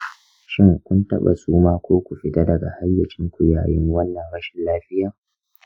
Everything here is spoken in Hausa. shin kun taɓa suma ko ku fita daga hayyacinku yayin wannan rashin lafiyar?